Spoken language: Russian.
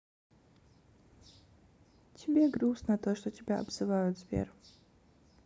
тебе грустно то что тебя обзывают сбер